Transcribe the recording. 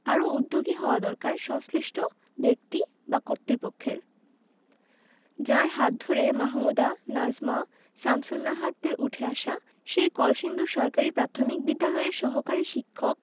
আরও উদ্যোগী হওয়া দরকার সংশ্লিষ্ট ব্যক্তি বা কর্তৃপক্ষের যাঁর হাত ধরে মাহমুদা নাজমা শামসুন্নাহারদের উঠে আসা সেই কলসিন্দুর সরকারি প্রাথমিক বিদ্যালয়ের সহকারী শিক্ষক